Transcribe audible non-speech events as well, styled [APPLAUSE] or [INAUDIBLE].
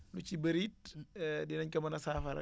lu ci bëre it [HESITATION] dinañ ko mën a saafara